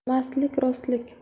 mastlik rostlik